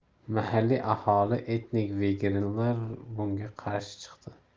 mahalliy aholi etnik vengerlar bunga qarshi chiqdi